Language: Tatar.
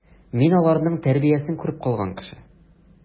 Мин аларның тәрбиясен күреп калган кеше.